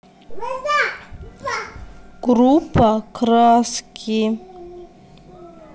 группа краски